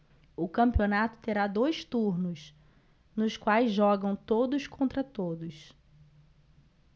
o campeonato terá dois turnos nos quais jogam todos contra todos